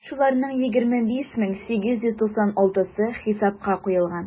Шуларның 25 мең 896-сы хисапка куелган.